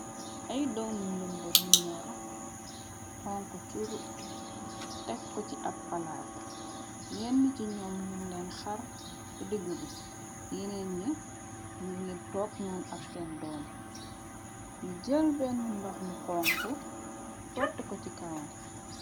Ay doomu njëmbar yu ñor xonk cur yu tekko ci ab palaatu yenn ci ñoom ñum leen xar fa dig ba yeneen ña ñu ngir dokg noon ak seen doom ni jël bennu ndox mu xonku sotti ko ci kawam.